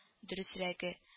Дөресрәге